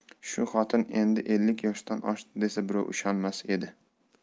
shu xotin endi ellik yoshdan oshdi desa birov ishonmas edi